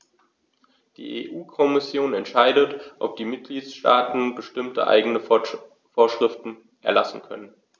Die EU-Kommission entscheidet, ob die Mitgliedstaaten bestimmte eigene Vorschriften erlassen können.